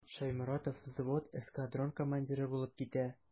Шәйморатов взвод, эскадрон командиры булып китә.